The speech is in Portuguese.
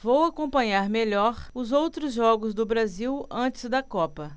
vou acompanhar melhor os outros jogos do brasil antes da copa